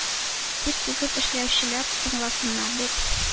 Тир түгеп эшләүчеләр тыңласыннар дип